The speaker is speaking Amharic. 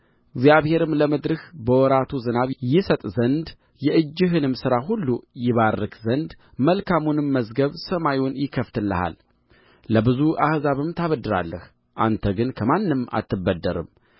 እግዚአብሔርም ለምድርህ በወራቱ ዝናብ ይሰጥ ዘንድ የእጅህንም ሥራ ሁሉ ይባርክ ዘንድ መልካሙን መዝገብ ሰማዩን ይከፍትልሃል ለብዙ አሕዝብም ታበድራለህ አንተ ግን ከማንም አትበደርም